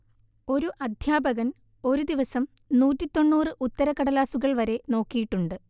ഒരു അദ്ധ്യാപകൻ ഒരു ദിവസം നൂറ്റി തൊണ്ണൂറ് ഉത്തരക്കടലാസുകൾ വരെ നോക്കിയിട്ടുണ്ട്